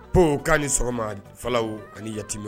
Po k'a ni sɔgɔma falaw ani yatimɛw